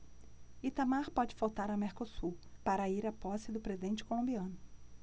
itamar pode faltar a mercosul para ir à posse do presidente colombiano